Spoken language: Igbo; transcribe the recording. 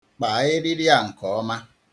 Kpaa eriri a nke ọma.